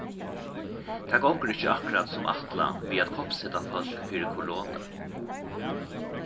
tað gongur ikki akkurát sum ætlað við at koppseta fólk fyri koronu